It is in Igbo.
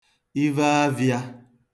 ivheafhịa